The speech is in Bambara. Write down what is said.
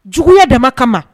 Juguya dama kama